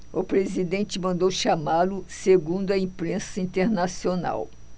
o presidente mandou chamá-lo segundo a imprensa internacional